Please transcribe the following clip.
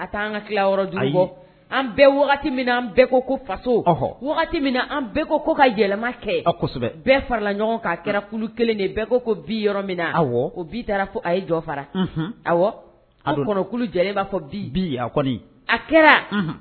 A taa an ka tila yɔrɔ jumɛn bɔ an bɛɛ min an bɛɛ ko ko fasoɔ min an bɛɛ ko ko ka yɛlɛma kɛ a kosɛbɛ bɛɛ farala ɲɔgɔn'a kɛra kulu kelen de bɛɛ ko ko bi yɔrɔ min a bi taarara fɔ a ye jɔ fara aw a bɛ kɔnɔ kulu jɛ e b'a fɔ bi bi a kɔni a kɛra